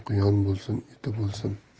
quyon bo'lsin eti bo'lsin